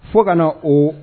Fo ka na o